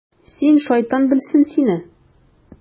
Син, шайтан белсен сине...